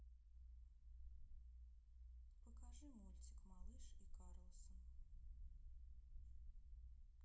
покажи мультик малыш и карлсон